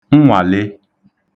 nnwàle